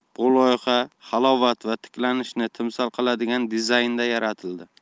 bu loyiha halovat va tiklanishni timsol qiladigan dizaynda yaratildi